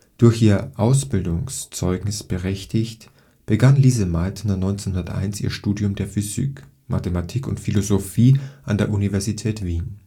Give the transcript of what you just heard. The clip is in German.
Durch ihr Abschlusszeugnis berechtigt, begann Lise Meitner 1901 ihr Studium der Physik, Mathematik und Philosophie an der Universität Wien